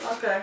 ok